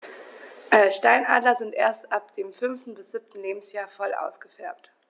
Steinadler sind erst ab dem 5. bis 7. Lebensjahr voll ausgefärbt.